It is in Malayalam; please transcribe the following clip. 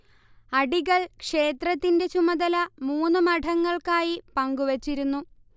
അടികൾ ക്ഷേത്രത്തിൻറെ ചുമതല മൂന്ന് മഠങ്ങൾക്കായി പങ്കുവച്ചിരുന്നു